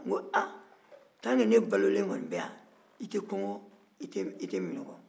n ko aa tant que ne balolen kɔni bɛ yan i tɛ kɔngɔ i tɛ minɔgɔ